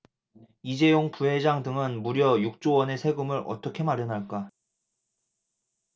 이재용 부회장 등은 무려 육 조 원의 세금을 어떻게 마련할까